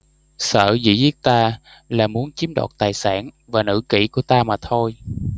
sở dĩ giết ta là muốn chiếm đoạt tài sản và nữ kỹ của ta mà thôi